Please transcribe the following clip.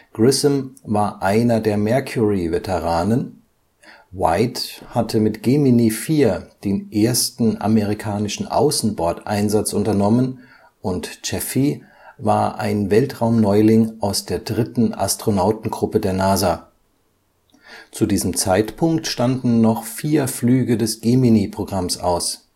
Grissom war einer der Mercury-Veteranen, White hatte mit Gemini 4 den ersten amerikanischen Außenbordeinsatz unternommen und Chaffee war ein Weltraumneuling aus der dritten Astronautengruppe der NASA. Zu diesem Zeitpunkt standen noch vier Flüge des Gemini-Programms aus